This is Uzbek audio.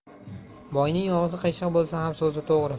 boyning og'zi qiyshiq bo'lsa ham so'zi to'g'ri